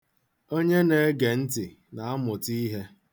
Onye na-ege ntị na-amụta ihe.